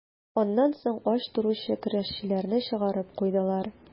Аннан соң ач торучы көрәшчеләрне чыгарып куйдылар.